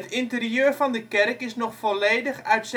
interieur van de kerk is nog volledig uit